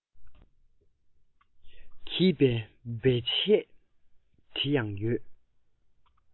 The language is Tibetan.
འགྱིས པའི རྦད ཆོད དེ ཡང ཡོད